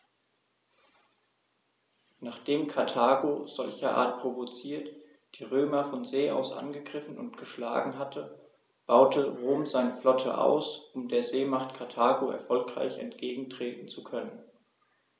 Nachdem Karthago, solcherart provoziert, die Römer von See aus angegriffen und geschlagen hatte, baute Rom seine Flotte aus, um der Seemacht Karthago erfolgreich entgegentreten zu können.